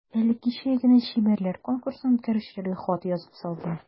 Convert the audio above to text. Әле кичә генә чибәрләр конкурсын үткәрүчеләргә хат язып салдым.